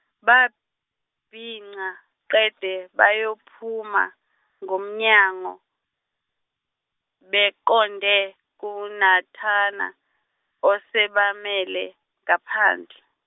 babhinca qede bayophuma ngomnyango beqonde kuNatana osebamele ngaphandle.